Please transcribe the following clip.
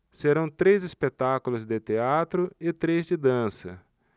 serão três espetáculos de teatro e três de dança